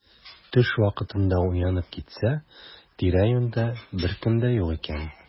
Төш вакытында уянып китсә, тирә-юньдә беркем дә юк икән.